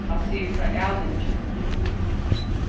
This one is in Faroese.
hann sigur frá ælingi